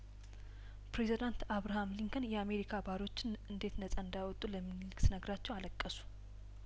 ፕሬዚዳንት አብርሀም ሊንከን የአሜሪካ ባሮችን እንዴት ነጻ እንዳወጡ ለሚንሊክ ስነ ግራቸው አለቀሱ